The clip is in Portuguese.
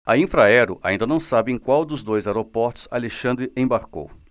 a infraero ainda não sabe em qual dos dois aeroportos alexandre embarcou